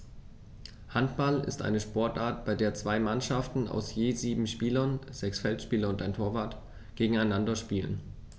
Handball ist eine Sportart, bei der zwei Mannschaften aus je sieben Spielern (sechs Feldspieler und ein Torwart) gegeneinander spielen.